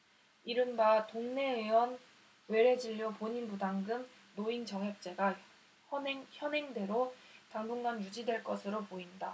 이른바 동네의원 외래진료 본인부담금 노인정액제가 현행대로 당분간 유지될 것으로 보인다